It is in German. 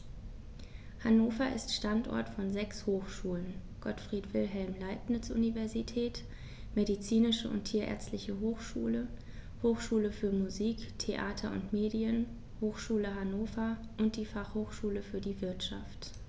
Hannover ist Standort von sechs Hochschulen: Gottfried Wilhelm Leibniz Universität, Medizinische und Tierärztliche Hochschule, Hochschule für Musik, Theater und Medien, Hochschule Hannover und die Fachhochschule für die Wirtschaft.